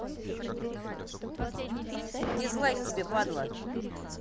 дизлайк тебе падла